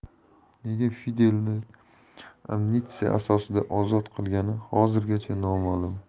nega fidelni amnistiya asosida ozod qilgani hozirgacha noma'lum